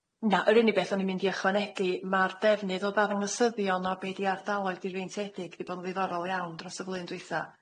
Na yr unig beth o'n i'n mynd i ychwanegu ma'r defnydd o dda- ddangosyddion o be ydi ardaloedd difreintiedig 'di bod yn ddiddorol iawn dros y flwyddyn dwytha.